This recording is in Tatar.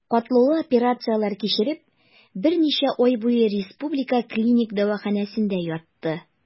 Катлаулы операцияләр кичереп, берничә ай буе Республика клиник дәваханәсендә ятты.